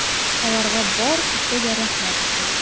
Аларга бар кеше дә рәхмәт укый.